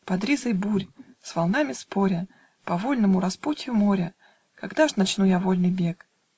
Под ризой бурь, с волнами споря, По вольному распутью моря Когда ж начну я вольный бег?